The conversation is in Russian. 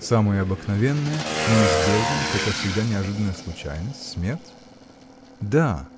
самая обыкновенная, неизбежная, хотя всегда неожиданная случайность: смерть? Да